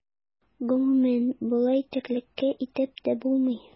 Гомумән, болай тереклек итеп тә булмый.